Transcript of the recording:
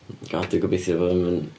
God, dwi'n gobeithio fydd o ddim yn...